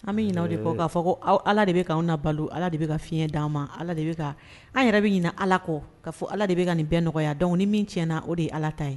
An bɛ ɲinɛ o de ko k'a fɔ ko Ala de bɛ ka fiɲɛ d'aw ma Ala de bɛ ka, an yɛrɛ bɛ ɲini Ala kɔ k'a fɔ Ala de bɛ ka nin bɛn nɔgɔyaya donc ni min tiɲɛna o de ye Ala ta ye